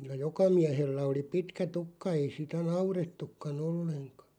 kyllä joka miehellä oli pitkä tukka ei sitä naurettukaan ollenkaan